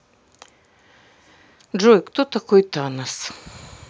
джой кто такой танос